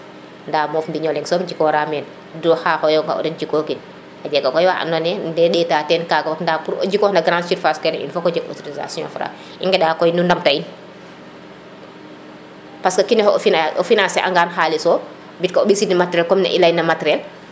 nda moom mbiño leŋ soom jikora meen ludul oxa xoyonga o wago jikokin a jega koy wa ando naye ne ndeta teen kaga fopnda pour jikoox no grande surface ke il faut que o jeg autorisation Fra i ŋeɗa koy nu ndamta in parce que o kinoxe o financer angan xalis so mbit o mbisidin materiel